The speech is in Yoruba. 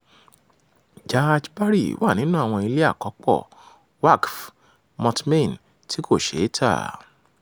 Jahaj Bari wà nínú àwọn ilé àkọ́pọ̀ Waqf (mortmain) tí kò ṣe é tà.